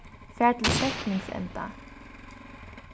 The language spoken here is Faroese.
far til setningsenda